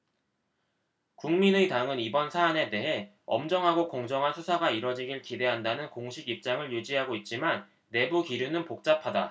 국민의당은 이번 사안에 대해 엄정하고 공정한 수사가 이뤄지길 기대한다는 공식 입장을 유지하고 있지만 내부 기류는 복잡하다